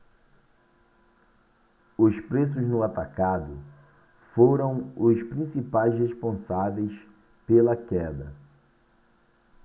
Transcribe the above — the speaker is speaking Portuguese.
os preços no atacado foram os principais responsáveis pela queda